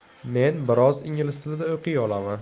men biroz ingliz tilida o'qiy olaman